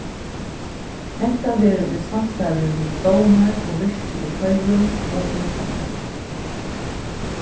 hetta verður í samstarvi við stovnar og virki í føroyum og útlondum